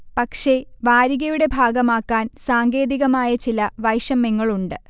പക്ഷെ വാരികയുടെ ഭാഗമാക്കാൻ സാങ്കേതികമായ ചില വൈഷമ്യങ്ങളുണ്ട്